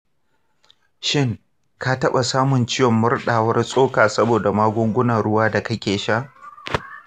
shin ka taɓa samun ciwon murɗawar tsoka saboda magungunan ruwa da kake sha?